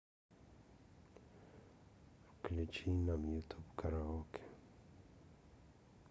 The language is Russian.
включи нам ютуб караоке